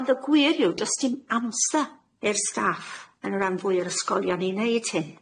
Ond y gwir yw do's dim amsar i'r staff yn y ran fwya o'r ysgolion i neud hyn.